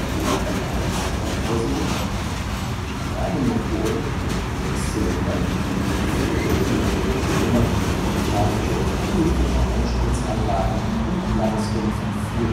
BMW M1 Rennversion: Reihenmotoren mit sechs Zylindern, vier Ventile pro Zylinder, mechanische Kugelfischer-Einspritzanlage und Leistung von 345